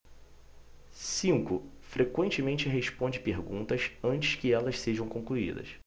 cinco frequentemente responde perguntas antes que elas sejam concluídas